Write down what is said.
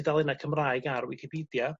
tudalennau Cymraeg ar Wicipidia